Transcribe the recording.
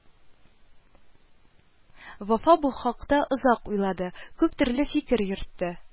Вафа бу хакта озак уйлады, күптөрле фикер йөртте